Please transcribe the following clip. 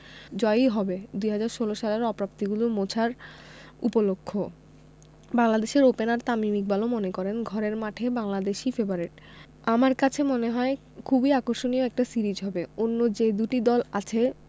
জয়ই হবে ২০১৭ সালের অপ্রাপ্তিগুলো মোছার উপলক্ষও বাংলাদেশের ওপেনার তামিম ইকবালও মনে করেন ঘরের মাঠে বাংলাদেশই ফেবারিট আমার কাছে মনে হয় খুবই আকর্ষণীয় একটা সিরিজ হবে অন্য যে দুটি দল আছে